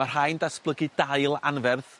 Ma' rhai yn datblygu dail anferth